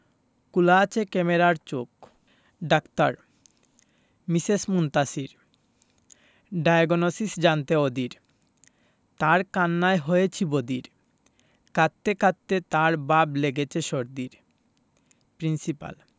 খোলা আছে ক্যামেরার চোখ ডাক্তার মিসেস মুনতাসীর ডায়োগনসিস জানতে অধীর তার কান্নায় হয়েছি বধির কাঁদতে কাঁদতে তার ভাব লেগেছে সর্দির প্রিন্সিপাল